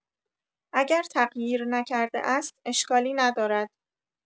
اگر تغییر نکرده است، اشکالی ندارد.